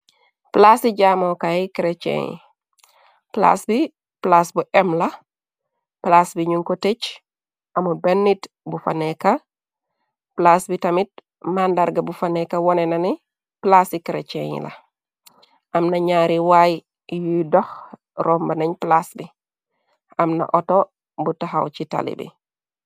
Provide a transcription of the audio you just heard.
Plaasi jaamokaay kreceni la. Plaas bi plaas bu em la. Plaas bi ñu ko tëcc amul bennit bu faneeka. Plaas bi tamit màndarga bu faneeka wone nani plaasi kreceni la. Amna ñaari waay yuy dox romba nañ plaas bi. Amna oto bu taxaw ci tali bi.